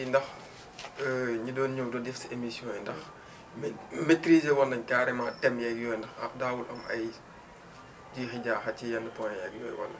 ndax ñi doon ñëw doon def si émissions yi ndax maitrisé woon nañu carrément thèmes yeek yooyu ndax daawul am ay jiixi jaaxa ci yenn points yi ak yooyu walla